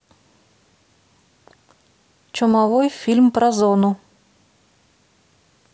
чумовой фильм про зону